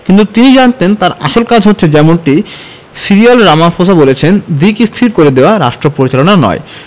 কিন্তু তিনি জানতেন তাঁর আসল কাজ হচ্ছে যেমনটি সিরিল রামাফোসা বলেছেন দিক স্থির করে দেওয়া রাষ্ট্রপরিচালনা নয়